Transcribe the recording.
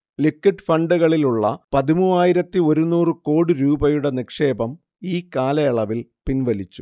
liquid ഫണ്ടുകളിലുള്ള പതിമൂവായിരത്തയൊരുന്നൂറ് കോടി രൂപയുടെ നിക്ഷേപം ഈകാലയളവിൽ പിൻവലിച്ചു